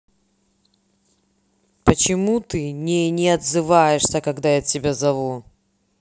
почему ты не не отзываешься когда я тебя зову